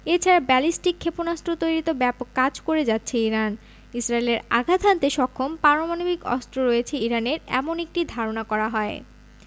এ ছাড়া ব্যালিস্টিক ক্ষেপণাস্ত্র তৈরিতে ব্যাপক কাজ করে যাচ্ছে ইরান ইসরায়েলে আঘাত হানতে সক্ষম পারমাণবিক অস্ত্র রয়েছে ইরানের এমন একটি ধারণা করা হয়